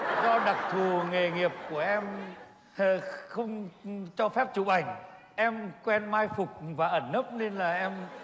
do đặc thù nghề nghiệp của em không cho phép chụp ảnh em quen mai phục và ẩn nấp nên là em